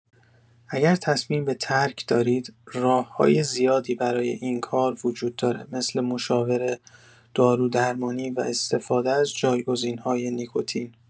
اگه تصمیم به ترک دارید، راه‌های زیادی برای این کار وجود داره مثل مشاوره، دارودرمانی و استفاده از جایگزین‌های نیکوتین.